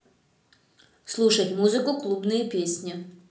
слушать музыку клубные песни